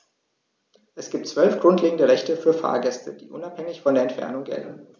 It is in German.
Es gibt 12 grundlegende Rechte für Fahrgäste, die unabhängig von der Entfernung gelten.